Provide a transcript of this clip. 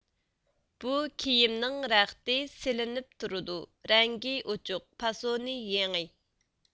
بۇ كىيىمنىڭ رەختى سېلىنىپ تۇرىدۇ رەڭگى ئوچۇق پاسونى يېڭى